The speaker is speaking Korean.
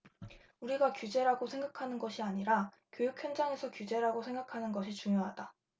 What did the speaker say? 우리가 규제라고 생각하는 것이 아니라 교육 현장에서 규제라고 생각하는 것이 중요하다